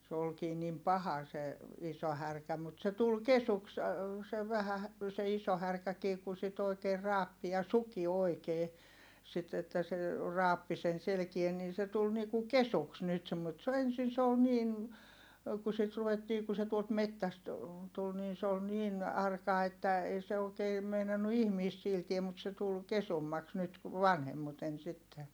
se olikin niin paha se iso härkä mutta se tuli kesyksi se vähän - se iso härkäkin kun sitä oikein raapi ja suki oikein sitten että se raapi sen selkää niin se tuli niin kuin kesyksi nyt - että se oli ensin se oli niin kun sitten ruvettiin kun se tuolta metsästä tuli niin se oli niin arka että ei se oikein meinannut ihmistä sietää mutta se tuli kesymmäksi nyt vanhemmiten sitten